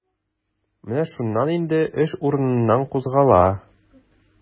Менә шуннан инде эш урыныннан кузгала.